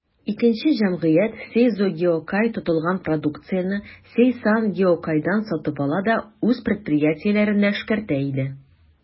Икенче җәмгыять, «Сейзо Гиокай», тотылган продукцияне «Сейсан Гиокайдан» сатып ала да үз предприятиеләрендә эшкәртә иде.